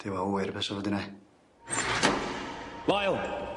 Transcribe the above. Duw a ŵyr be' sa fo 'di neu'. Lyle!